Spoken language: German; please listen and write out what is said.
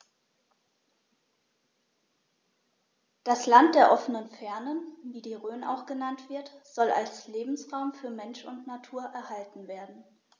Das „Land der offenen Fernen“, wie die Rhön auch genannt wird, soll als Lebensraum für Mensch und Natur erhalten werden.